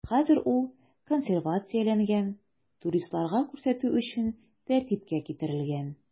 Хәзер ул консервацияләнгән, туристларга күрсәтү өчен тәртипкә китерелгән.